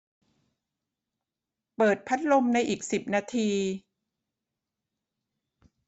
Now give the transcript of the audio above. เปิดพัดลมในอีกสิบนาที